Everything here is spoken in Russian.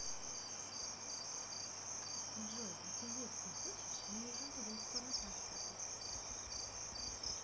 джой а ты есть не хочешь мы уже будем скоро завтракать